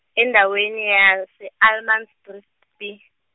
endaweni yase- Allemansdrift bhi.